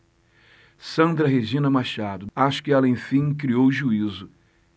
sandra regina machado acho que ela enfim criou juízo